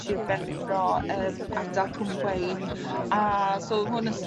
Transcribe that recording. Shir Benfro yym ardal Cwm Gweun. A so ma' 'wn yn s-